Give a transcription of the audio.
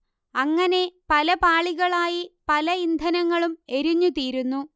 അങ്ങനെ പല പാളികളായി പല ഇന്ധനങ്ങളും എരിഞ്ഞുതീരുന്നു